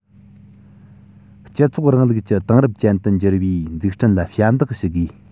སྤྱི ཚོགས རིང ལུགས ཀྱི དེང རབས ཅན དུ འགྱུར བའི འཛུགས སྐྲུན ལ ཞབས འདེགས ཞུ དགོས